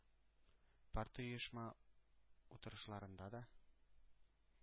Партоешма утырышларында да